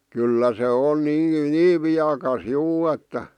kyllä se on niin niin viekas juu että